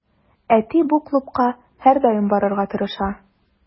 Әти бу клубка һәрдаим барырга тырыша.